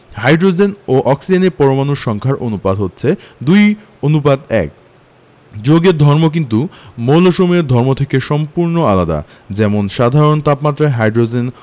hydrogen ও অক্সিজেনের পরমাণুর সংখ্যার অনুপাত হচ্ছে ২ অনুপাত ১যৌগের ধর্ম কিন্তু মৌলসমূহের ধর্ম থেকে সম্পূর্ণ আলাদা যেমন সাধারণ তাপমাত্রায় হাইড্রোজেন